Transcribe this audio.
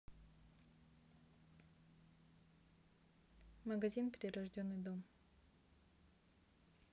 магазин прирожденный дом